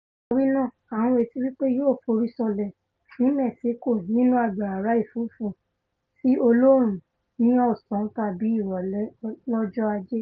nítorínaa, a ńretí wí pé yóò forí sọlẹ̀ ní Mẹ́ṣíkò nínú agbára ẹ̀fúùfù ti olóorun ní ọ̀sán tábi ìrọ̀lẹ́ lọ́jọ́ Ajé.